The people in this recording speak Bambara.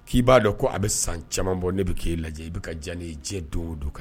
K'i b'a dɔn ko a bɛ san caman bɔ ne bɛ'i lajɛ i bɛ ka jan jɛ don o don ka